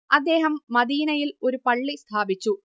അദ്ദേഹം മദീനയിൽ ഒരു പള്ളി സ്ഥാപിച്ചു